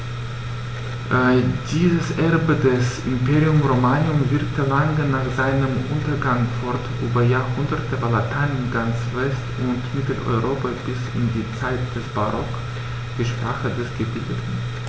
Dieses Erbe des Imperium Romanum wirkte lange nach seinem Untergang fort: Über Jahrhunderte war Latein in ganz West- und Mitteleuropa bis in die Zeit des Barock die Sprache der Gebildeten.